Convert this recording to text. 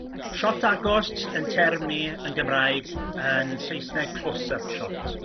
Siot agos yn term ni yn Gymraeg yn Saesneg close up shot.